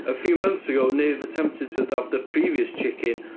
A few months ago, Niv attempted to adopt a previous chicken...